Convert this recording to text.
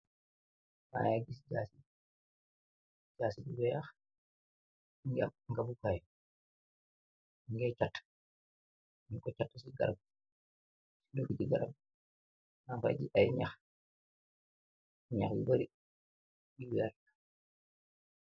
Maguiss jaasi bu weax nga nga bukaayu ningay càxt ni ko càttu ci garab ci lofi ci garab nambay ji ay ñax nax bu bare yu wert.